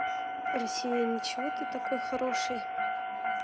россия ничего ты такой хороший